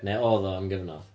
Neu oedd o, am gyfnod.